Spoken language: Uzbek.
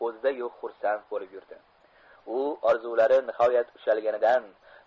o'zida yo'q xursand bolib yurdi u orzulari nihoyat ushalganidan